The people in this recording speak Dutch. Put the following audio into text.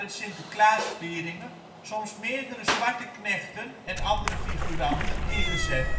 Sinterklaasvieringen soms meerdere “zwarte knechten” (en andere figuranten) ingezet